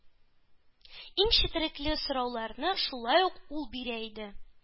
Иң четерекле сорауларны шулай ук ул бирә иде.